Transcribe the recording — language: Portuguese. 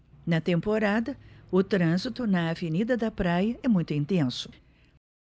na temporada o trânsito na avenida da praia é muito intenso